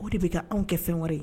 O de bɛ kɛ anw kɛ fɛn wari ye